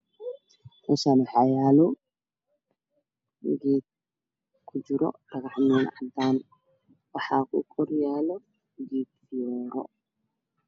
Meeshaan waxaa yaalo geed kujiro dhagax cadaan ah waxaa ku koryaalo geed fiyoore.